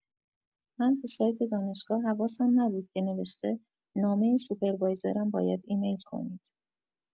من تو سایت دانشگاه حواسم نبود که نوشته نامه سوپروایزرم باید ایمیل کنید.